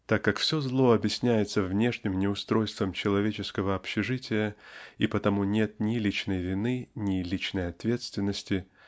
Так как все зло объясняется внешним неустройством человеческого общежития и потому нет ни личной вины ни личной ответственности